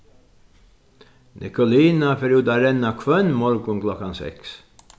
nikolina fer út at renna hvønn morgun klokkan seks